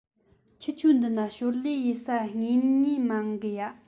ཁྱོད ཆོ འདི ན ཞོར ལས ཡེད ས ངེས ངེས མང གི ཡ